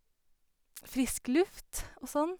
Frisk luft og sånn.